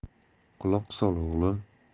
quloq sol o'g'lim